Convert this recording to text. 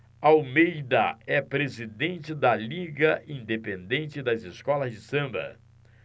almeida é presidente da liga independente das escolas de samba